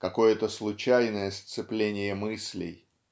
какое-то случайное сцепление мыслей.